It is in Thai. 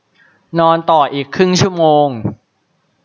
นอนต่ออีกครึ่งชั่วโมง